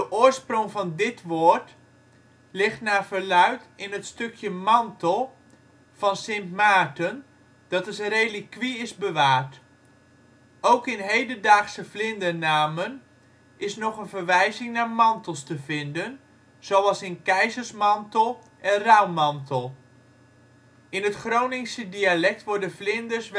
oorsprong van dit woord ligt naar verluidt in het stukje mantel van Sint-Maarten dat als relikwie is bewaard. Ook in hedendaagse vlindernamen is nog een verwijzing naar mantels te vinden, zoals in keizersmantel en rouwmantel. In het Groningse dialect worden vlinders